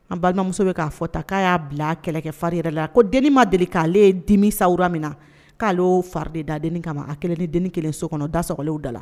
An balimamuso bɛ k'a fɔ ta k'a'a bila kɛlɛkɛ faririn yɛrɛ la a ko denin ma deli k'ale ale ye dimisaw min na k'aale fari de da den kama ma a kelen ni den kelen so kɔnɔ da sokɔw da la